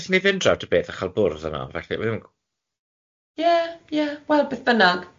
Allen ni mynd draw ta beth a chal bwrdd yna falle fi ddim yn g- Ie, ie well beth bynnag